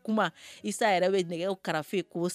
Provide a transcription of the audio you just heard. I yɛrɛ bɛ nɛgɛ karafe ko